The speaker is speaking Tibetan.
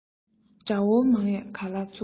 དགྲ བོ མང ཡང ག ལ ཚུགས